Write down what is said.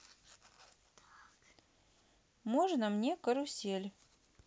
можно мне карусель